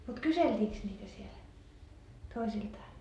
mutta kyseltiinkös niitä siellä toisiltaan